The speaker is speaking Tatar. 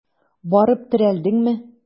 Барып терәлдеңме?